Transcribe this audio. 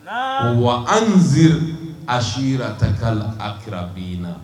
O wa an n a si jira a ta ka akibi in na